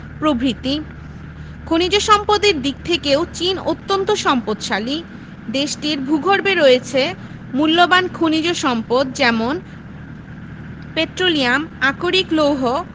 প্রভ্রিতি খনিজ সম্পদের দিক থেকেও চীন অত্যান্ত সম্পদশালী দেশটির ভূগর্ভে রয়েছে মুল্যবান খনিজ সম্পদ যেমন পেট্রোলিয়াম আকরিক লৌহ